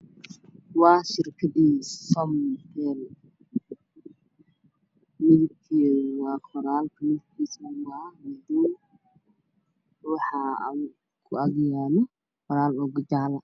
Waa shirkadda somtel midabkeedu waa qoraalka midabkeedu waa madow waxaa ku ag yaalo qoraal oo jaalle ah